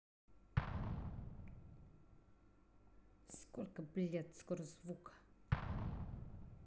сколько блядь скоро звука